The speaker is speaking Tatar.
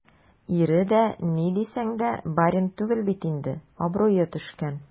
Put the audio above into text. Ире дә, ни дисәң дә, барин түгел бит инде - абруе төшкән.